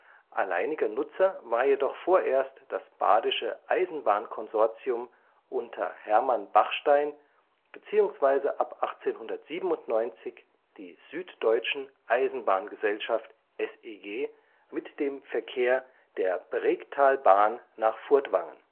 alleiniger Nutzer war jedoch vorerst das Badische Eisenbahnkonsortium unter Herrmann Bachstein beziehungsweise ab 1897 die Süddeutschen Eisenbahn-Gesellschaft (SEG) mit dem Verkehr der Bregtalbahn nach Furtwangen